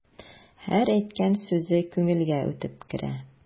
Һәр әйткән сүзе күңелгә үтеп керә.